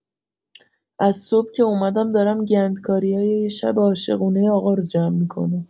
از صبح که اومدم دارم گندکاری‌های یه شب عاشقونۀ آقا رو جمع می‌کنم.